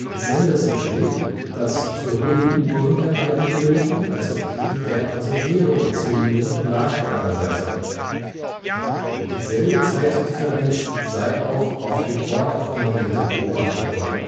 Sanderson schrieb, dass sowohl die Uhren der beiden Piloten als auch die der Passagiere um zehn Minuten nachgegangen sein sollen. Dieselbe Zeitdifferenz sei auch auf dem Bordchronometer beobachtet worden